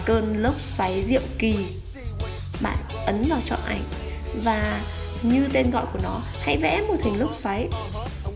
cơn lốc xoáy diệu kỳ bạn ấn vào chọn ảnh và như tên gọi của nó hãy vẽ một hình lốc xoáy